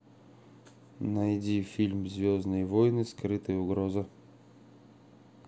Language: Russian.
найди фильм звездные войны скрытая угроза